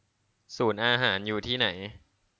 ศูนย์อาหารอยู่ที่ไหน